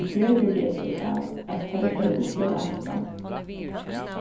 í fjør gjørdi eg so av at tá vit fóru upp jólaaftan